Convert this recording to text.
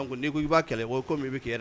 N i b'a kɛlɛ bɔ komi min b bɛ kɛ